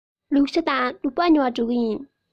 ལུག ཤ དང ལུག ལྤགས ཉོ བར འགྲོ གི ཡིན